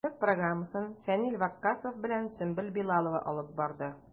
Концерт программасын Фәнил Ваккасов белән Сөмбел Билалова алып барды.